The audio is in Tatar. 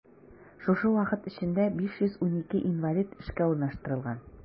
Шушы вакыт эчендә 512 инвалид эшкә урнаштырылган.